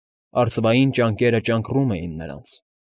Արծվային ճանկերը ճանկռում էին նրանց։